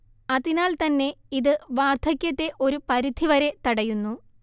അതിനാൽ തന്നെ ഇത് വാർധക്യത്തെ ഒരു പരിധിവരെ തടയുന്നു